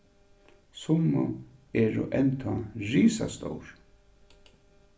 summi eru enntá risastór